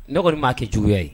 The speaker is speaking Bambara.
Ne kɔni m maaa kɛ juguya ye